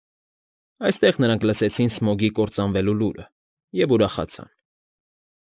Այստեղ նրանք լսեցին Սմոգի կործանվելու լուրը և ուրախացան։